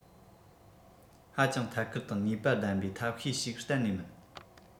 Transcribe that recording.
ཧ ཅང ཐད ཀར དང ནུས པ ལྡན པའི ཐབས ཤེས ཞིག གཏན ནས མིན